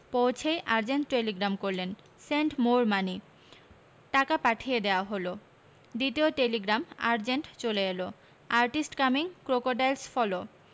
পৌছেই urgent telegram করলেন send more money Dhaka পাঠিয়ে দেয়া হল দ্বিতীয় টেলিগ্রাম আজেন্ট চলে এল আর্টিস্ট কামিং ক্রোকোডাইলস ফলো